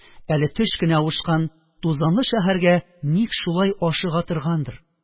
Әле төш кенә авышкан, тузанлы шәһәргә ник шулай ашыга торгандыр?